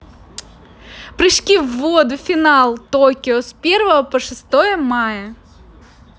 прыжки в воду финал токио с первого по шестое мая